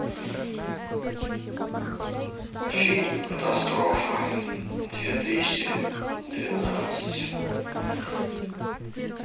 фильм катастрофа две тысячи двенадцать